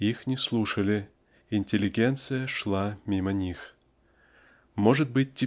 Их не слушали, интеллигенция шла мимо них. Может быть